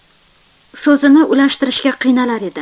so'zini ulashtirishga qiynalar edi